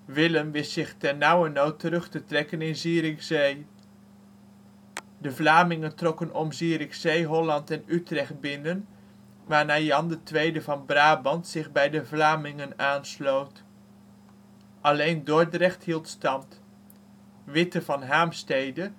Willem wist zich ternauwernood terug te trekken in Zierikzee. De Vlamingen trokken om Zierikzee Holland en Utrecht binnen, waarna Jan II van Brabant zich bij de Vlamingen aansloot. Alleen Dordrecht hield stand. Witte van Haamstede